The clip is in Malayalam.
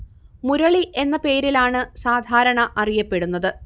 മുരളി എന്ന പേരിലാണ് സാധാരണ അറിയപ്പെടുന്നത്